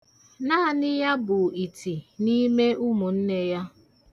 Naanị ya bụ iti n'ime ụmụnne ya.